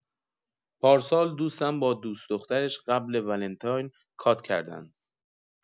پارسال دوستم با دوس دخترش قبل ولنتاین کات کردن